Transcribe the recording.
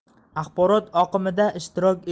axborot oqimida ishtirok